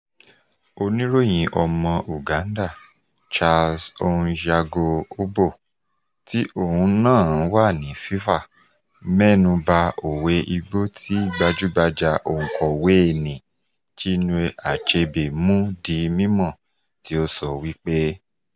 Oníròyìn ọmọ Uganda Charles Onyango-Obbo, tí òun náà wà ní FIFA, mẹ́nu ba òwe Igbo tí gbajúgbajà òǹkọ̀wée nì Chinua Achebe mú di mímọ́ tí ó sọ wípé: